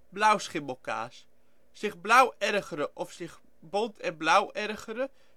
blauwschimmelkaas zich blauw ergeren of zich bont en blauw ergeren